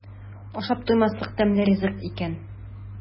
Ашап туймаслык тәмле ризык икән.